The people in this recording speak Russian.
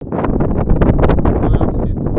уголек хек